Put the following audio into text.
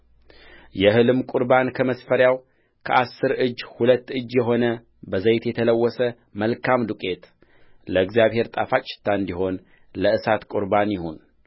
የእህልም ቍርባን ከመስፈሪያው ከአሥር እጅ ሁለት እጅ የሆነ በዘይት የተለወሰ መልካም ዱቄት ለእግዚአብሔር ጣፋጭ ሽታ እንዲሆን ለእሳት ቍርባን ይሁን